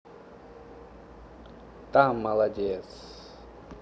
там молодец